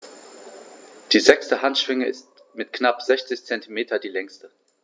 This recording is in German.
Die sechste Handschwinge ist mit knapp 60 cm die längste.